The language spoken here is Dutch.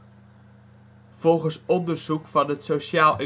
Volgens onderzoek van het Sociaal